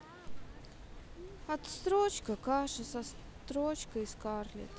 отсрочка каша с отсрочкой скарлетт